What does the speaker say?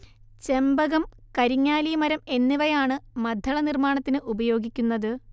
ചെമ്പകം കരിങ്ങാലി മരം എന്നിവയാണ് മദ്ദള നിർമ്മാണത്തിന് ഉപയോഗിക്കുന്നത്